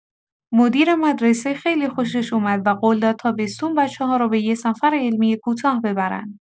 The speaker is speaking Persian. مدیر مدرسه خیلی خوشش اومد و قول داد تابستون بچه‌ها رو به یه سفر علمی کوتاه ببرن.